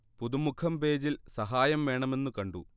പുതുമുഖം പേജിൽ സഹായം വേണമെന്നു കണ്ടു